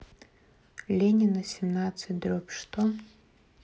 ленина семнадцать дробь что